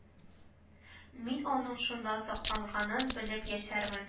Мин аның шунда сакланганын белеп яшәрмен